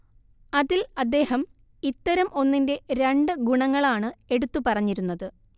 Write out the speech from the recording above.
അതിൽ അദ്ദേഹം ഇത്തരം ഒന്നിന്റെ രണ്ട് ഗുണങ്ങളാണ് എടുത്തു പറഞ്ഞിരുന്നത്